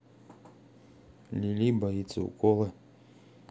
лили боится укола